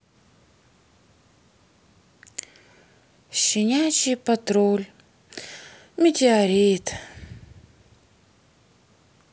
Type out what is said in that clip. щенячий патруль метеорит